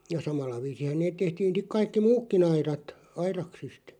ja samalla viisinhän ne tehtiin sitten kaikki muutkin aidat aidaksista